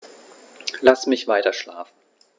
Lass mich weiterschlafen.